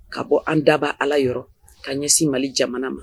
Ka bɔ an da baa Ala yɔrɔ ka ɲɛsin Mali jamana ma